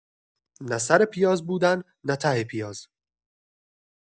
نه سر پیاز بودن نه ته پیاز